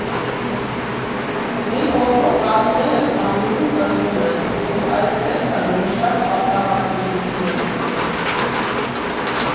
Մի խոսքով՝ կատուները Ստամբուլում տժժում են, ու այս դեպքը մի շարք պատահածներից մեկն էր։